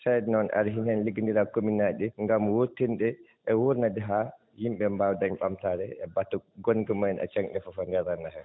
SAED noon ari himen liggonndiraade e commune ŋaaji ɗi ngam wuurtinde e wuurneede haa yimɓe ɓee mbaawa daañ ɓamtaare e batte ngonka mumen e caŋ e fof